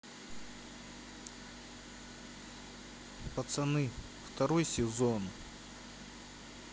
пацаны второй сезон